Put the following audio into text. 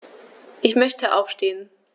Ich möchte aufstehen.